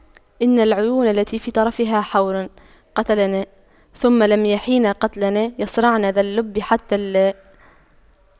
إن العيون التي في طرفها حور قتلننا ثم لم يحيين قتلانا يَصرَعْنَ ذا اللب حتى لا